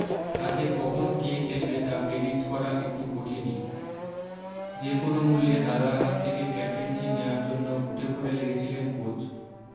তাতে কখন কে খেলবে তা প্রেডিক্ট করা একটু কঠিনি যে কোনো মূল্যে দাদার হাত থেকে ক্যাপটেন্সি নেয়ার জন্য উঠেপড়ে লেগেছিলেন কোচ